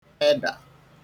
edà